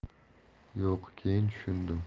yo'q keyin tushundim